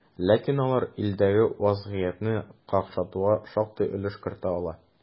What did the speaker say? Ләкин алар илдәге вазгыятьне какшатуга шактый өлеш кертә ала.